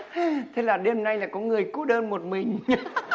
thế là đêm nay lại có người cô đơn một mình